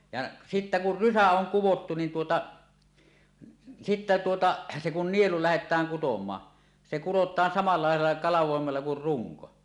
ja sitten kun rysä on kudottu niin tuota sitten tuota se kun nielu lähdetään kutomaan se kurotaan samalla lailla kalvoimella kuin runko